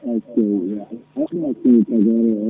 eskey *